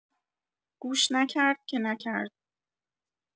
گوش نکرد که نکرد!